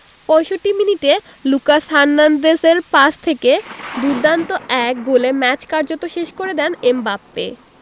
৬৫ মিনিটে লুকাস হার্নান্দেজের পাস থেকে দুর্দান্ত এক গোলে ম্যাচ কার্যত শেষ করে দেন এমবাপ্পে